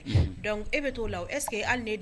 unhun, donc et bɛ t'o la o est ce que hali n'e